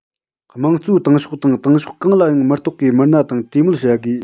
དམངས གཙོའི ཏང ཤོག དང ཏང ཤོག གང ལའང མི གཏོགས པའི མི སྣ དང གྲོས མོལ བྱ དགོས